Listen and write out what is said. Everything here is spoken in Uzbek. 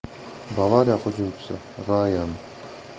bavariya hujumchisi rayan